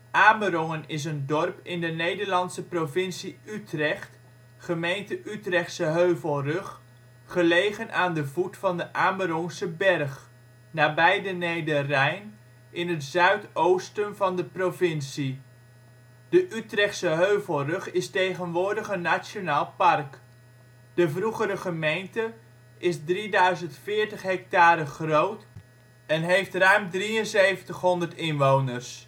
Amerongen is een dorp in de Nederlandse provincie Utrecht, gemeente Utrechtse Heuvelrug, gelegen aan de voet van de Amerongse Berg, nabij de Nederrijn, in het zuidoosten van de provincie. De Utrechtse Heuvelrug is tegenwoordig een nationaal park. De vroegere gemeente is 3040 ha groot en heeft ruim 7300 inwoners